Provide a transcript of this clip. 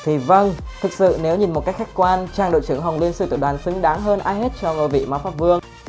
vâng thực sự nếu nhìn cách khách quan chàng đội trưởng hồng liên sư tử đoàn xứng đáng hơn ai hết cho ngôi vị mpv